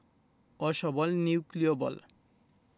ও সবল নিউক্লিয় বল